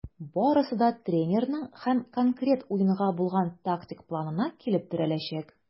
Барысы да тренерның һәр конкрет уенга булган тактик планына килеп терәләчәк.